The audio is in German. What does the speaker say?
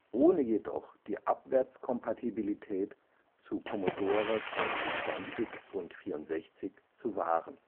ohne jedoch die Abwärtskompatibilität zu Commodore VC 20 und 64 zu wahren